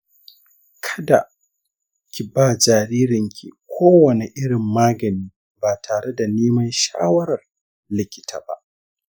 kada ki ba jaririnki kowane irin magani ba tare da neman shawarar likita ba